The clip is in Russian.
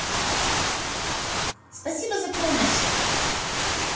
спасибо за помощь